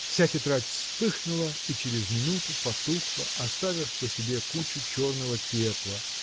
вся тетрадь вспыхнула и через минуту потухла оставив по себе кучу черного пепла